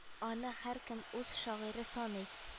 Аны һәркем үз шагыйре саный